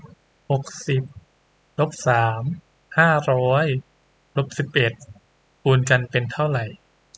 หกสิบลบสามห้าร้อยลบสิบเอ็ดคูณกันเป็นเท่าไหร่